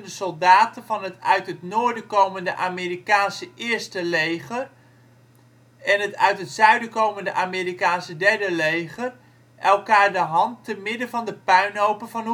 soldaten van het uit het noorden komende Amerikaanse 1e leger en het uit het zuiden komende Amerikaanse 3e leger elkaar de hand te midden van de puinhopen van Houffalize